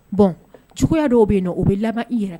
Bon cogoya dɔw bɛ yen o bɛ laban i yɛrɛ